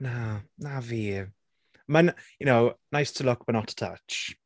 Na, na fi. Mae'n you know nice to look but not to touch.